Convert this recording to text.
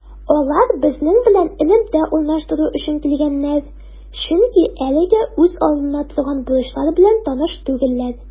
Алар безнең белән элемтә урнаштыру өчен килгәннәр, чөнки әлегә үз алдында торган бурычлар белән таныш түгелләр.